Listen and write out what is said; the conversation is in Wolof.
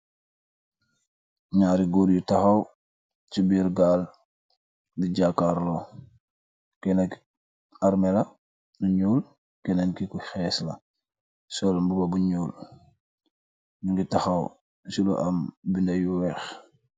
Nyari goor yu tahaw se birr gal de jakarlo, gena ke army la mu njol , kenen ke ku hess la sul muba bu njol, nugi tahaw se fu am bena yu weeh.